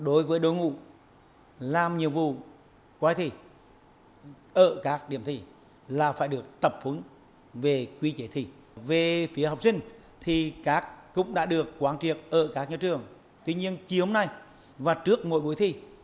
đối với đội ngũ làm nhiệm vụ coi thi ở các điểm thi là phải được tập huấn về quy chế thi về phía học sinh thì các cũng đã được quán triệt ở các hiệu trưởng tuy nhiên chiếu này và trước mỗi buổi thi